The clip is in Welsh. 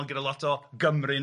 ond gyda lot o Gymryn